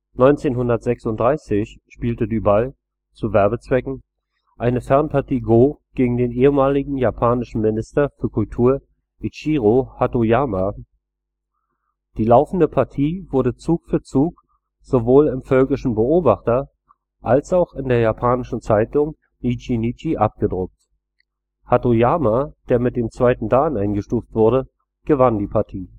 1936 spielte Dueball – zu Werbezwecken – eine Fernpartie Go gegen den ehemaligen japanischen Minister für Kultur, Ichiro Hatoyama. Die laufende Partie wurde Zug für Zug sowohl im Völkischen Beobachter als auch in der japanischen Zeitung Nichi-Nichi abgedruckt. Hatoyama, der mit dem 2. Dan eingestuft wurde, gewann die Partie